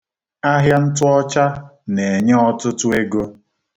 Ahịa ntụọcha na-enye ọtụtụ ego.